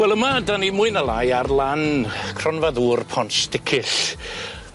Wel yma 'dan ni mwy na lai ar lan cronfa ddŵr Pont Sticyll.